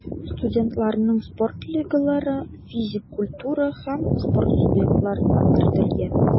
Студентларның спорт лигалары физик культура һәм спорт субъектларына кертелгән.